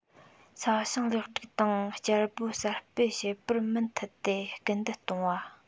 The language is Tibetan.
ས ཞིང ལེགས སྒྲིག དང བསྐྱར སྦོལ གསར སྤེལ བྱེད པར མུ མཐུད དེ སྐུལ འདེད གཏོང བ